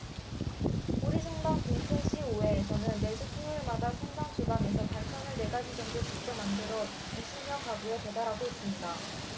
우리 성당 빈첸시오회에서는 매주 토요일마다 성당 주방에서 반찬을 네 가지 정도 직접 만들어 이십 여 가구에 배달하고 있습니다